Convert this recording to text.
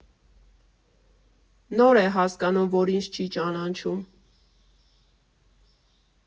Նոր է հասկանում, որ ինձ չի ճանաչում.